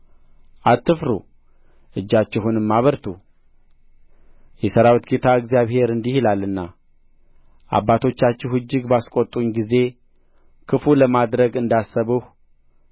አትፍሩ እጃችሁንም አበርቱ የሠራዊት ጌታ እግዚአብሔር እንዲህ ይላልና አባቶቻችሁ እጅግ ባስቈጡኝ ጊዜ ክፉ ለማድረግ እንዳሰብሁ